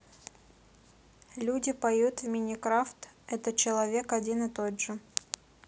люди поют в minecraft это человек один и тот же